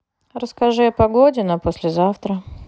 расскажи о погоде на послезавтра